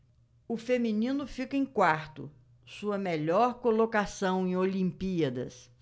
o feminino fica em quarto sua melhor colocação em olimpíadas